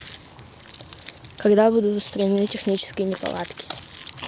когда будут устранены технические неполадки